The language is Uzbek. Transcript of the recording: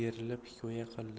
berilib hikoya qiladi